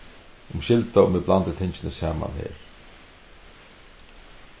umskylda um eg blandi tingini saman her